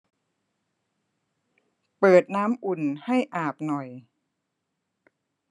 เปิดน้ำอุ่นให้อาบหน่อย